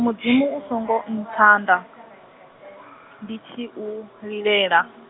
Mudzimu u songo ntsanda , ndi tshi u, lilela.